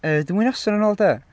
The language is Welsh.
Yy dwy noson yn ôl de?